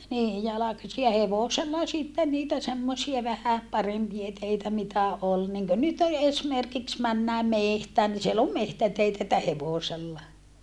niin jalkaisin ja hevosella sitten niitä semmoisia vähän parempia teitä mitä oli niin kuin nyt - esimerkiksi mennään metsään niin siellä on metsäteitä että hevosella